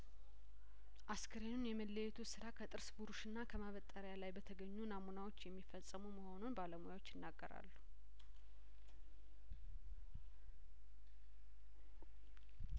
አስክሬኑን የመለየቱ ስራ ከጥርስ ብሩሽና ከማበጠሪያ ላይ በተገኙናሙናዎች የሚፈጸሙ መሆኑን ባለሙያዎች ይናገራሉ